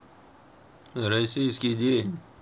российский день